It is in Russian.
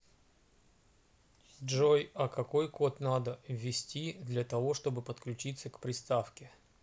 джой а какой код надо ввести для того чтобы подключиться к приставке